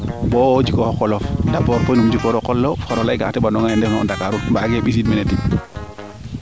bo jikoox dabors pod num jikoru o qole wo ga'a xa teɓanongaxe ref na o Ndakarou mbaage mbissid mene tig